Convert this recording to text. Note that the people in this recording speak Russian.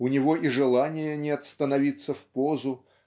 у него и желания нет становиться в позу